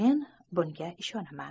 men bunga ishonaman